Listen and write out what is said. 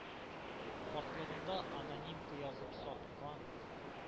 Картлыгында анонимка язып саткан,